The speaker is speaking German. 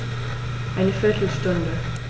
Eine viertel Stunde